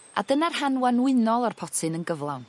A dyna'r rhan Wanwynol o'r potyn yn gyflawn.